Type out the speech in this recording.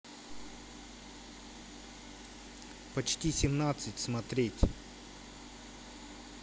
почти семнадцать смотреть